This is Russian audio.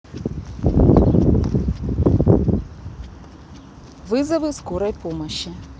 вызовы скорой помощи